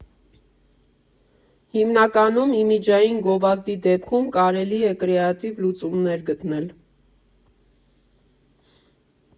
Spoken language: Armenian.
Հիմնականում իմիջային գովազդի դեպքում կարելի է կրեատիվ լուծումներ գտնել.